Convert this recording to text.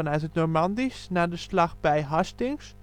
het Normandisch na de slag bij Hastings